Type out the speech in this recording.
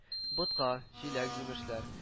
Ботка, җиләк-җимешләр